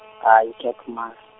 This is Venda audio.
ha yi thi athu mas.